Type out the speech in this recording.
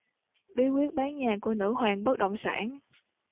bí quyết bán nhà của nữ hoàng bất động sản